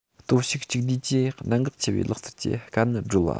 སྟོབས ཤུགས གཅིག བསྡུས ཀྱིས གནད འགག ཆེ བའི ལག རྩལ གྱི དཀའ གནད སྒྲོལ བ